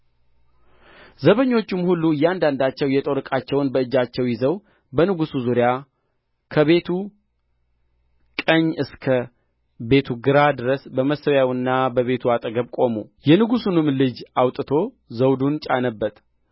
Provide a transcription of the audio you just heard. ዘበኞቹም ሁሉ እያንዳንዳቸው የጦር ዕቃቸውን በእጃቸው ይዘው በንጉሡ ዙሪያ ከቤቱ ቀኝ እስከ ቤቱ ግራ ድረስ በመሠዊያውና በቤቱ አጠገብ ቆሙ የንጉሡንም ልጅ አውጥቶ ዘውዱን ጫነበት